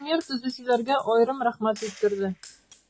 Премьер төзүчеләргә аерым рәхмәт җиткерде.